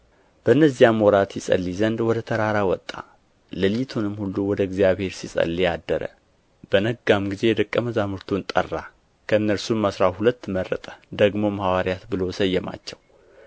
በነዚህም ወራት ይጸልይ ዘንድ ወደ ተራራ ወጣ ሌሊቱንም ሁሉ ወደ እግዚአብሔር ሲጸልይ አደረ በነጋም ጊዜ ደቀ መዛሙርቱን ጠራ ከእነርሱም አሥራ ሁለት መረጠ ደግሞም ሐዋርያት ብሎ ሰየማቸው